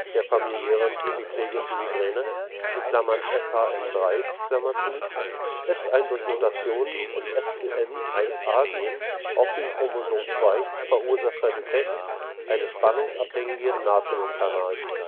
der familiären hemiplegischen Migräne (FHM3) ist ein durch Mutationen im SCN1A-Gen auf dem Chromosom 2 verursachter Defekt eines spannungsabhängigen Natriumkanals